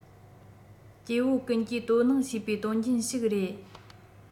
སྐྱེ བོ ཀུན གྱིས དོ སྣང བྱེད པའི དོན རྐྱེན ཞིག རེད